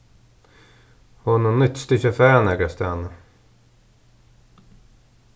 honum nýttist ikki at fara nakrastaðni